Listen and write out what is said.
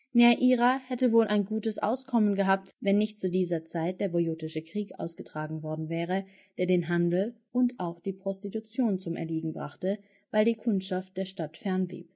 Neaira hätte wohl ein gutes Auskommen gehabt, wenn nicht zu dieser Zeit der Boiotische Krieg ausgetragen worden wäre, der den Handel (und auch die Prostitution) zum Erliegen brachte, weil die Kundschaft der Stadt fernblieb